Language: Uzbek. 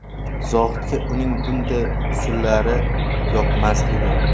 zohidga uning bunday usulllari yoqmas edi